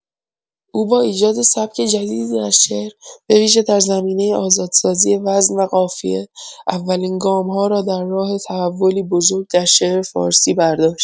او با ایجاد سبک جدیدی در شعر، به‌ویژه در زمینۀ آزادسازی وزن و قافیه، اولین گام‌ها را در راه تحولی بزرگ در شعر فارسی برداشت.